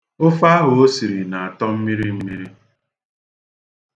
Ofe ahụ o siri atọ mmirimmiri.